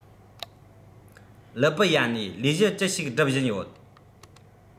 ལི པི ཡ ནས ལས གཞི ཅི ཞིག སྒྲུབ བཞིན ཡོད